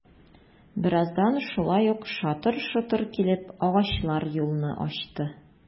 Бераздан шулай ук шатыр-шотыр килеп, агачлар юлны ачты...